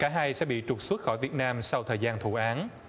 cả hai sẽ bị trục xuất khỏi việt nam sau thời gian thụ án